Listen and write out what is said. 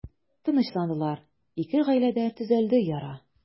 Тынычландылар, ике гаиләдә төзәлде яра.